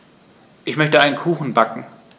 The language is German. Ich möchte einen Kuchen backen.